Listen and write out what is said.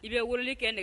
I bɛ wuli kɛ nɛgɛ